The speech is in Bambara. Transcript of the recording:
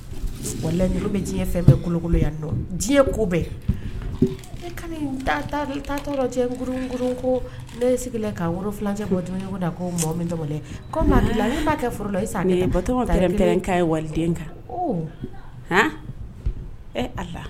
Bɛ kolokolon ko da ko waliden e la